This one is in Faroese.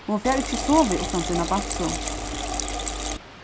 hon fær ikki sovið uttan sína bamsu